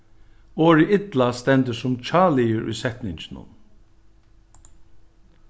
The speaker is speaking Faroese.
orðið illa stendur sum hjáliður í setninginum